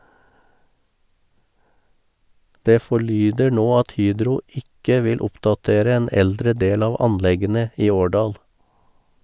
Det forlyder nå at Hydro ikke vil oppdatere en eldre del av anleggene i Årdal.